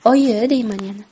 oyi deyman yana